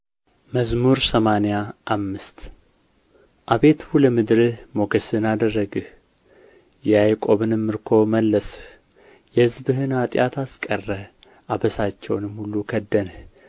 መዝሙር ሰማንያ አምስት አቤቱ ለምድርህ ሞገስን አደረግህ የያዕቆብንም ምርኮ መለስህ የሕዝብህን ኃጢአት አስቀረህ አበሳቸውንም ሁሉ ከደንህ